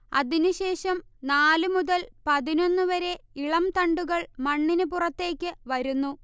അതിനു ശേശം നാലു മുതൽ പതിനൊന്നു വരെ ഇളം തണ്ടുകൾ മണ്ണിനു പുറത്തേക്കു വരുന്നു